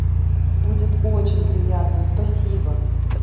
будет очень приятно спасибо